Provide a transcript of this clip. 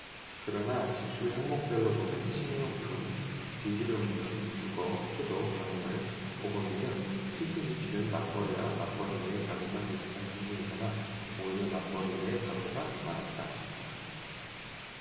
그러나 지출 항목별로 보면 식료품 비주류음료 주거 수도 광열 보건비 등 필수 지출은 맞벌이와 맞벌이 외 가구가 비슷한 수준이거나 오히려 맞벌이 외 가구가 많았다